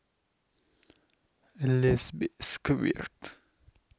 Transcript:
лесби сквирт